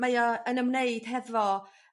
mae o yn ymwneud hefo